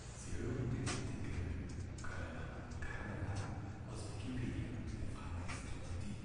Sie hören den Artikel Kölner Karneval, aus Wikipedia, der freien Enzyklopädie